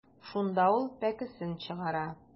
Шунда ул пәкесен чыгара.